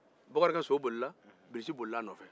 bakari ka so bolila bilissi bolila a nɔfɛ